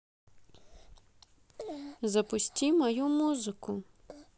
запусти мою музыку